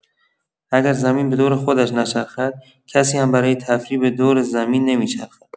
اگر زمین به دور خودش نچرخد، کسی هم برای تفریح به دور زمین نمی‌چرخد!